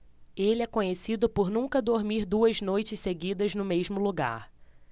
ele é conhecido por nunca dormir duas noites seguidas no mesmo lugar